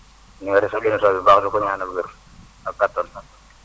ñu ngi rafetlu émission bi bu baax di ko ñaanal wér ak kattan